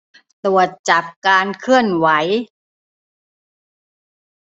ตรวจจับการเคลื่อนไหว